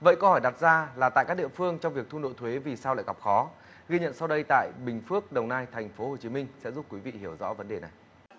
vậy câu hỏi đặt ra là tại các địa phương trong việc thu nộp thuế vì sao lại gặp khó ghi nhận sau đây tại bình phước đồng nai thành phố hồ chí minh sẽ giúp quý vị hiểu rõ vấn đề này